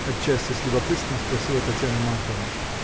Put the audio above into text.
— отчасти с любопытством спросила Татьяна Марковна.